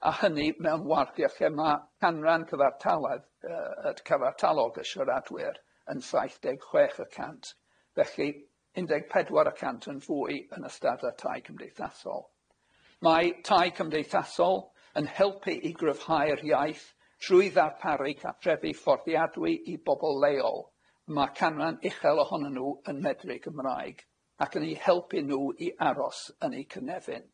A hynny mewn wardie lle ma' canran cyfartaladd- yy y cyfartalog y siaradwyr yn saith deg chwech y cant, felly un deg pedwar y cant yn fwy yn y stade tai cymdeithasol. Mae tai cymdeithasol yn helpu i gryfhau'r iaith trwy ddarparu cartrefi fforddiadwy i bobl leol, ma' canran uchel ohonyn nhw yn medru Cymraeg, ac yn eu helpu nhw i aros yn eu cynefin.